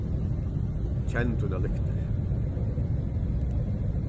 kenn tínar lyktir